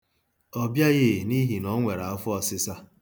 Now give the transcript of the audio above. Ọ bịaghị n'ihi na o nwere afọọsịsa.